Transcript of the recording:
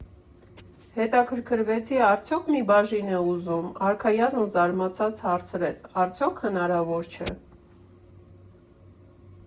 Հետաքրքրվեցի՝ արդյոք մի բաժի՞ն է ուզում, արքայազնը զարմացած հարցրեց՝ արդյոք հնարավոր չէ՞։